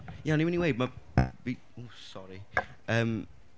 Ie o'n i'n mynd i weud, ma' ww, sori yym...